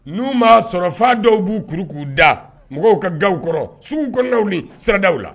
N'u m'a sɔrɔ f'a dɔw b'u kuru k'u da mɔgɔw ka gaw kɔrɔ sugu kɔnɔnaw ni siradaw la